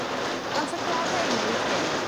yr amsar gore i neud hyn